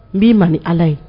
N b'i man ni ala ye